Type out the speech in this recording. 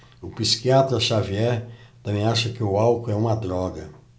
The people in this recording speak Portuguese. o psiquiatra dartiu xavier também acha que o álcool é uma droga